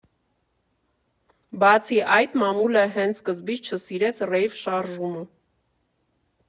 Բացի այդ, մամուլը հենց սկզբից չսիրեց ռեյվ շարժումը։